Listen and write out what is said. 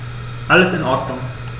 Alles in Ordnung.